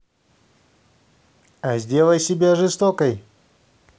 а сделай себя жестокой